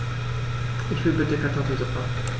Ich will bitte Kartoffelsuppe.